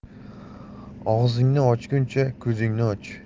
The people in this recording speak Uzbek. og'zingni ochguncha ko'zingni och